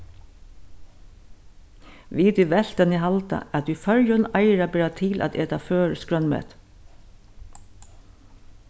vit í veltuni halda at í føroyum eigur at bera til at eta føroyskt grønmeti